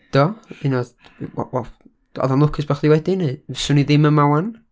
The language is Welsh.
Do. Un oedd- wel, wel, oedd o'n lwcus bo' chdi wedi neu 'swn i ddim yma 'wan.